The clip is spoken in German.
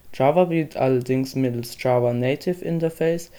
Java bietet allerdings mittels Java Native Interface